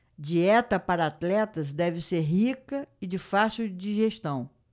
dieta para atletas deve ser rica e de fácil digestão